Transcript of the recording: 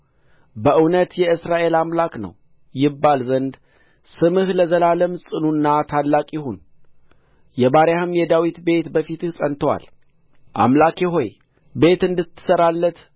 በእውነት የእስራኤል አምላክ ነው ይባል ዘንድ ስምህ ለዘላለም ጽኑና ታላቅ ይሁን የባሪያህም የዳዊት ቤት በፊትህ ጸንቶአል አምላኬ ሆይ ቤት እንድሠራለት